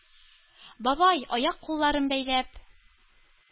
Бабай, аяк-кулларын бәйләп,